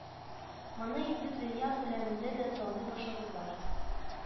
Моны инде дөнья күләмендә дә таный башладылар